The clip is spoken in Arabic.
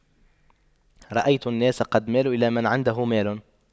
رأيت الناس قد مالوا إلى من عنده مال